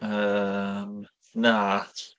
Yym, na.